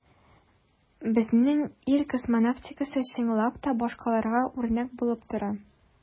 Безнең ил космонавтикасы, чынлап та, башкаларга үрнәк булып тора.